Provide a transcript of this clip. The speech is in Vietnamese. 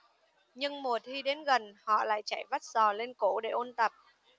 nhưng mùa thi đến gần họ lại chạy vắt giò lên cổ để ôn tập